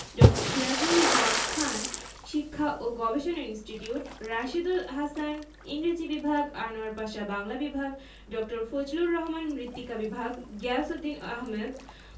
ড. সিরাজুল হক খান শিক্ষা ও গবেষণা ইনস্টিটিউট রাশীদুল হাসান ইংরেজি বিভাগ আনোয়ার পাশা বাংলা বিভাগ ড. ফজলুর রহমান মৃত্তিকা বিভাগ গিয়াসউদ্দিন আহমদ